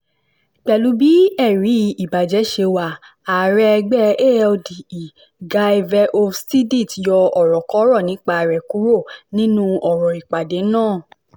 Pẹ̀lú bí ẹ̀rí ìwà ìbàjẹ́ ṣe wà, ààrẹ ẹgbẹ́ ALDE, Guy Verhofstdt, yọ ọ̀rọ̀kọrọ̀ nípa rẹ̀ kúrò nínú ọ̀rọ̀-ìpàdé náà.